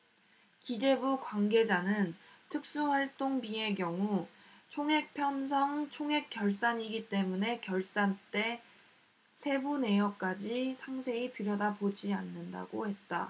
기재부 관계자는 특수활동비의 경우 총액 편성 총액 결산이기 때문에 결산 때 세부 내역까지 상세히 들여다보지 않는다고 했다